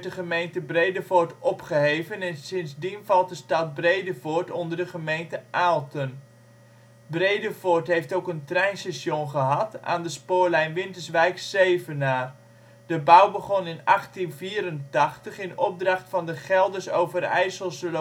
gemeente Bredevoort opgeheven en sindsdien valt de stad Bredevoort onder de gemeente Aalten. Bredevoort heeft ook een treinstation gehad aan de spoorlijn Winterswijk - Zevenaar. De bouw begon in 1884 in opdracht van de Geldersch-Overijsselsche